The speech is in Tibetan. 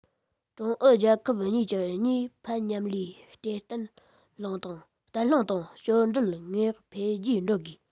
ཀྲུང ཨུ རྒྱལ ཁབ གཉིས ཀྱི གཉིས ཕན མཉམ ལས དེ བརྟན བརླིང དང སྐྱོན བྲལ ངང འཕེལ རྒྱས འགྲོ དགོས